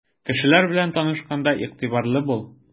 Кешеләр белән танышканда игътибарлы бул.